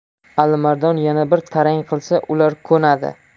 alimardon yana bir tarang qilsa ular ko'nadi